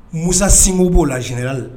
Musasinbo b'o la zyara la